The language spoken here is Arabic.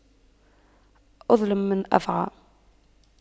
أظلم من أفعى